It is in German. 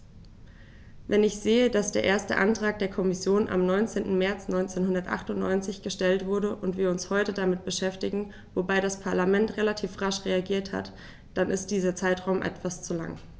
Wenn ich sehe, dass der erste Antrag der Kommission am 19. März 1998 gestellt wurde und wir uns heute damit beschäftigen - wobei das Parlament relativ rasch reagiert hat -, dann ist dieser Zeitraum etwas zu lang.